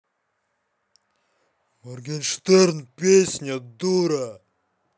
моргенштерн песня дура